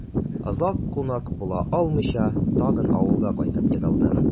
Озак кунак була алмыйча, тагын авылга кайтып егылдым...